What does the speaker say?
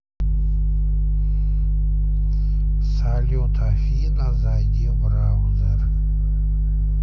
салют афина зайди в браузер